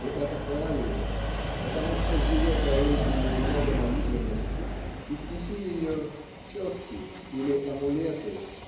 и это правильно, потому что в ее поэзии много молитвенности и стихи ее четки или амулеты